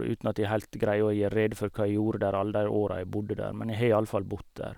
Uten at jeg helt greier å gjøre rede for hva jeg gjorde der alle de åra jeg bodde der, men jeg har i alle fall bodd der.